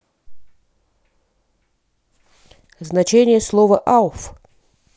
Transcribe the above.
значение слова ауф